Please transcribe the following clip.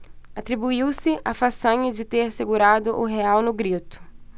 atribuiu-se a façanha de ter segurado o real no grito